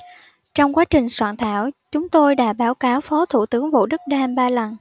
trong quá trình soạn thảo chúng tôi đã báo cáo phó thủ tướng vũ đức đam ba lần